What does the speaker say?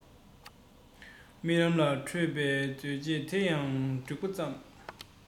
རྨི ལམ ལ བྲོད པའི མཛེས དཔྱོད དེ ཡང བྲི འགོ བརྩམས